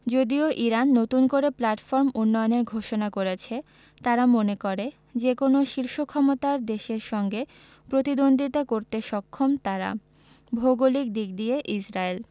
যদিও ইরান নতুন করে প্ল্যাটফর্ম উন্নয়নের ঘোষণা করেছে তারা মনে করে যেকোনো শীর্ষ ক্ষমতার দেশের সঙ্গে প্রতিদ্বন্দ্বিতা করতে সক্ষম তারা ভৌগোলিক দিক দিয়ে ইসরায়েল